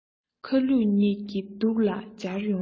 ཁ ལུས གཉིས ཀྱིས སྡུག ལ སྦྱར ཡོང ངོ